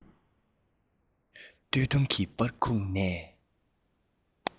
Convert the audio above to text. སྟོད ཐུང གི པར ཁུག ནས